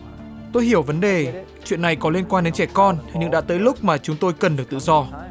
tôi hiểu vấn đề chuyện này có liên quan đến trẻ con nhưng đã tới lúc mà chúng tôi cần được tự do